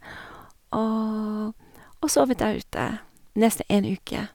og Og sovet der ute nesten en uke.